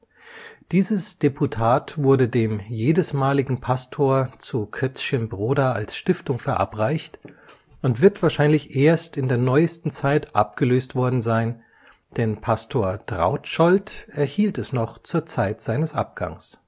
« Dieses Deputat wurde dem jedesmaligen Pastor zu Kötzschenbroda als Stiftung verabreicht und wird wahrscheinlich erst in der neuesten Zeit abgelöst worden sein, denn Pastor Trautschold erhielt es noch zur Zeit seines Abganges